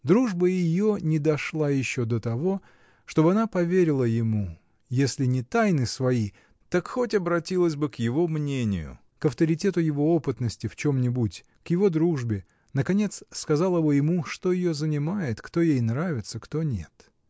Дружба ее не дошла еще до того, чтоб она поверила ему если не тайны свои, так хоть обратилась бы к его мнению, к авторитету его опытности в чем-нибудь, к его дружбе, наконец, сказала бы ему, что ее занимает, кто ей нравится, кто нет.